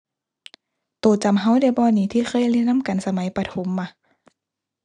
โตจำเราได้บ่หนิ ที่เคยเรียนนำกันสมัยประถมอะ